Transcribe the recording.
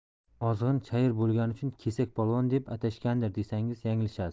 ozg'in chayir bo'lgani uchun kesak polvon deb atashgandir desangiz yanglishasiz